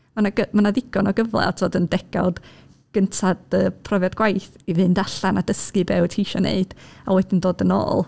Mae 'na gy-... mae 'na ddigon o gyfle, tibod yn degawd gynta dy profiad gwaith, i fynd allan a dysgu be wyt ti eisiau wneud a wedyn dod yn ôl.